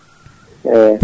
eyyi